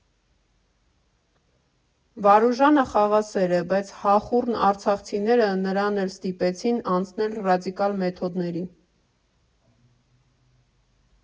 Վարուժանը խաղաղասեր է, բայց հախուռն արցախցիները նրան էլ ստիպեցին անցնել ռադիկալ մեթոդների։